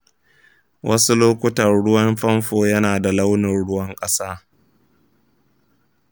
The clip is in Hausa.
wasu lokutan ruwan famfo yana da launin ruwan kasa.